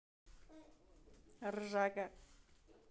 ржака